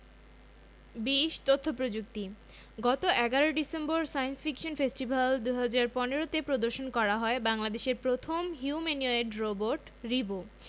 ২০ তথ্য প্রযুক্তি গত ১১ ডিসেম্বর সায়েন্স ফিকশন ফেস্টিভ্যাল ২০১৫ তে প্রদর্শন করা হয় বাংলাদেশের প্রথম হিউম্যানোয়েড রোবট রিবো